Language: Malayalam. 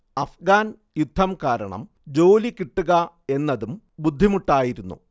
അഫ്ഗാൻ യുദ്ധം കാരണം ജോലി കിട്ടുക എന്നതും ബുദ്ധിമുട്ടായിരുന്നു